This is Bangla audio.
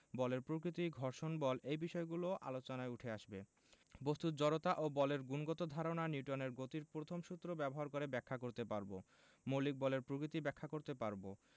বলের প্রকৃতি ঘর্ষণ বল এই বিষয়গুলোও আলোচনায় উঠে আসবে বস্তুর জড়তা ও বলের গুণগত ধারণা নিউটনের গতির প্রথম সূত্র ব্যবহার করে ব্যাখ্যা করতে পারব মৌলিক বলের প্রকৃতি ব্যাখ্যা করতে পারব